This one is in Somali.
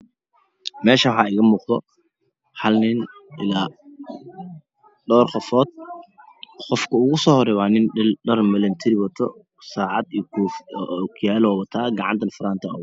Meeshaan waxaa iiga muuqdo hal nin ilaaa dhowr qofood qofka ugu soo horeeyo waa nin dhar milatary ayuu wataa sacad iyo ookiyaalo ayuu wataa gacantana faraati ayaa ugu jiro